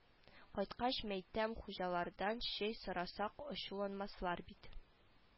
Кайткач мәйтәм хуҗалардан чәй сорасак ачуланмаслар бит